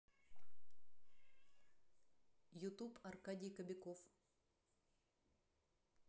ютуб аркадий кобяков